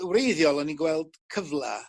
wreiddiol o'n i'n gweld cyfla